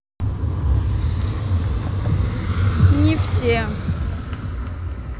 не все